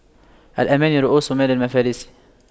الأماني رءوس مال المفاليس